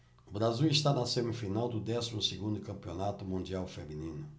o brasil está na semifinal do décimo segundo campeonato mundial feminino